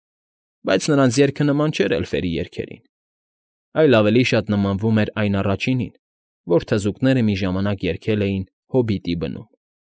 Բայց նրանց երգը նման չէր էլֆերի երգերին, այլ ավելի շատ նմանվում էր այն առաջինին, որ թզուկները մի ժամանակ երգել էին հոբիտի բնում։